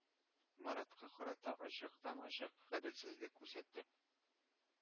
Маратка карата ачыктан-ачык гаделсезлек күрсәтеп,